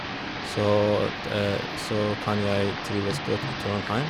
så Så kan jeg trives godt i Trondheim.